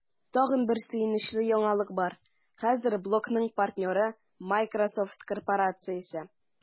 Тагын бер сөенечле яңалык бар: хәзер блогның партнеры – Miсrosoft корпорациясе!